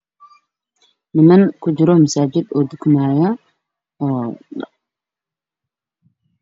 Niman ku jira masaajid oo tukanaayo.